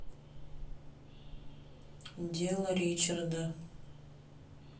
дело ричарда